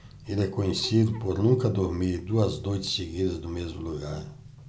ele é conhecido por nunca dormir duas noites seguidas no mesmo lugar